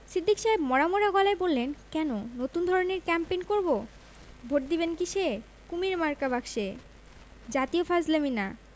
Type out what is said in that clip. সিদ্দিক সাহেব মরা মরা গলায় বললেন কেন নতুন ধরনের ক্যাম্পেইন করব ভোট দিবেন কিসে কুমীর মার্কা বাক্সে জাতীয় ফাজলামী না